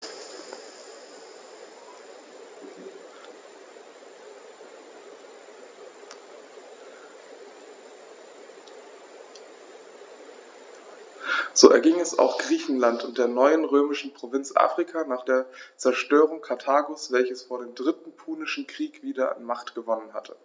So erging es auch Griechenland und der neuen römischen Provinz Afrika nach der Zerstörung Karthagos, welches vor dem Dritten Punischen Krieg wieder an Macht gewonnen hatte.